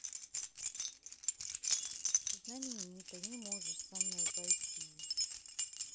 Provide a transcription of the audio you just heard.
знаменита не сможешь со мной пойти